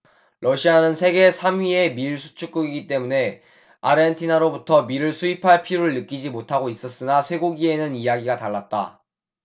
러시아는 세계 삼 위의 밀 수출국이기 때문에 아르헨티나로부터 밀을 수입할 필요를 느끼지 못하고 있었으나 쇠고기는 이야기가 달랐다